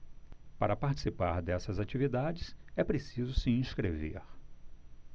para participar dessas atividades é preciso se inscrever